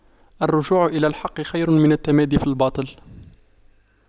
الرجوع إلى الحق خير من التمادي في الباطل